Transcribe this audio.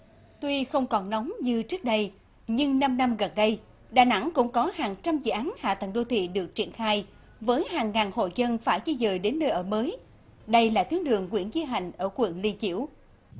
tuy không còn nóng như trước đây nhưng năm năm gần đây đà nẵng cũng có hàng trăm dự án hạ tầng đô thị được triển khai với hàng ngàn hộ dân phải di dời đến nơi ở mới đây là tuyến đường nguyễn chí hạnh ở quận liên chiểu